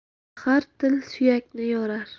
zahar til suyakni yorar